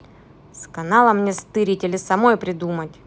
с канала мне стырить или самой придумать